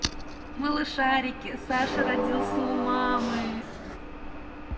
малышарики саша родился у мамы